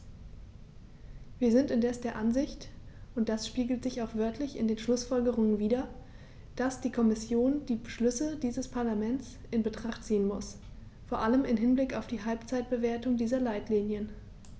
Wir sind indes der Ansicht und das spiegelt sich auch wörtlich in den Schlussfolgerungen wider, dass die Kommission die Beschlüsse dieses Parlaments in Betracht ziehen muss, vor allem im Hinblick auf die Halbzeitbewertung dieser Leitlinien.